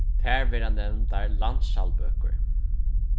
tær verða nevndar landskjaldbøkur